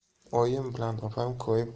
oyim bilan opam koyib